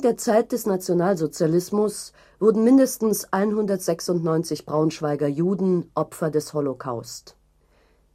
der Zeit des Nationalsozialismus wurden mindestens 196 Braunschweiger Juden Opfer des Holocaust.